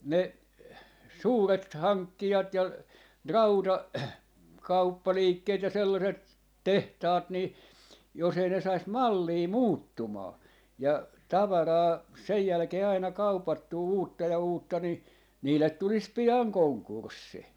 ne suuret hankkijat ja - rautakauppaliikkeet ja sellaiset tehtaat niin jos ei ne saisi mallia muuttumaan ja tavaraa sen jälkeen aina kaupattua uutta ja uutta niin niille tulisi pian konkurssi